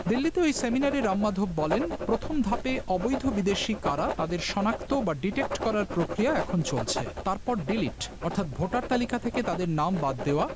দিল্লিতে ওই সেমিনারে রাম মাধব বলেন প্রথম ধাপে অবৈধ বিদেশি কারা তাদের শনাক্ত বা ডিটেক্ট করার প্রক্রিয়া এখন চলছে তারপর ডিলিট অর্থাৎ ভোটার তালিকা থেকে তাদের নাম বাদ দেওয়া